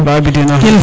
te ref ba Aboudin